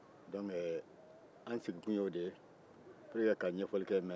o la an sigikun y'o de ye walasa ka ɲɛfɔli kɛ